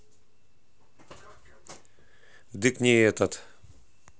дык не этот